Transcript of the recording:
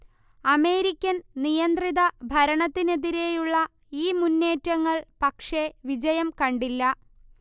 അമേരിക്കൻനിയന്ത്രിത ഭരണത്തിനെതിരെയുള്ള ഈ മുന്നേറ്റങ്ങൾ പക്ഷേ വിജയം കണ്ടില്ല